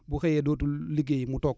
bu xëyee dootul liggéeyi mu toog